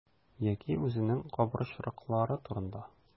Яки үзенең кабырчрыклары турында.